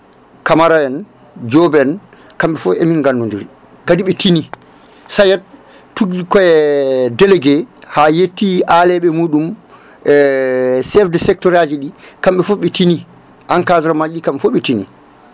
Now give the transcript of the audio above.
Camara en Diop en kamɓe fo emin gandodiri kadi ɓe tini SAET tuggui koye délégué ha yetti aleɓe muɗum e chef de secteur aji ɗi kamɓe foof ɓe tini encadrement ji ɗi kamɓe fo ɓe tini